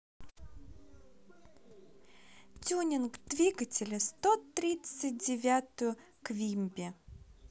тюнинг двигателя сто тридцать девятую квимби